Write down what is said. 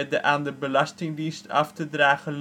de aan de Belastingdienst af te dragen